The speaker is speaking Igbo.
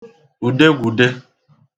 ùdegwùde